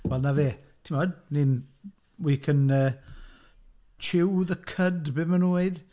Wel 'na fe, timod, ni'n... We can yy "chew the cud", be maen nhw'n weud?